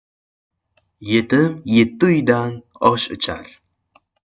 yetim yetti uydan osh ichar